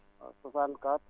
waaw 64